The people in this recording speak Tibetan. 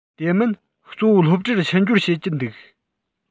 དེ མིན གཙོ བོ སློབ གྲྭར ཕྱི འབྱོར བྱེད ཀྱིན འདུག